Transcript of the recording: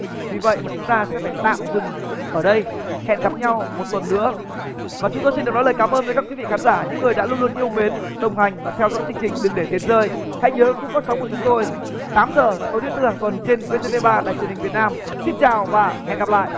vì vậy mà chúng ta sẽ phải tạm dừng ở đây hẹn gặp nhau một tuần nữa và chúng tôi xin được nói lời cảm ơn với các quý vị khán giả những người đã luôn luôn yêu mến đồng hành và theo dõi chương trình đừng để tiền rơi hãy nhớ khung phát sóng của chúng tôi tám giờ tối thứ tư hàng tuần trên vê tê vê ba đài truyền hình việt nam xin chào và hẹn gặp lại